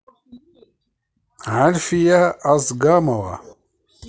альфия асгамова